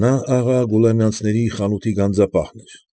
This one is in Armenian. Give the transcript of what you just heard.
Նա աղա Գուլամյանցների խանութի գանձապահն էր։